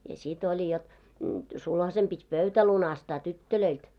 ja sitten oli jotta sulhasen piti pöytä lunastaa tytöiltä